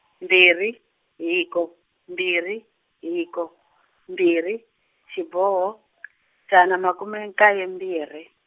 mbirhi hiko mbirhi hiko mbirhi xiboho , dzana makume nkaye mbirhi.